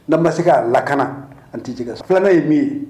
N'an ma se k'a lakana an tɛ jɛgɛ sɔrɔ, 2 nan ye min ye